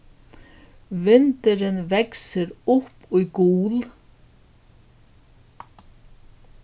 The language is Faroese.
vindurin veksur upp í gul